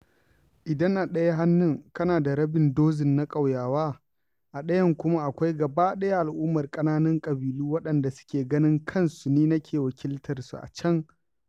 Idan a ɗaya hannun kana da rabin dozin na ƙauyawa, a ɗayan kuma akwai gabaɗaya al'ummar ƙananan ƙabilu waɗanda suke ganin kansu ni nake wakiltar su a can.